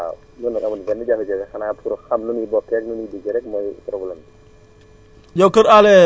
waaw ñun amuñu benn jafe-jafe xanaa pour xam nu ñuy bokkee ni ñuy duggee rekk mooy problème bi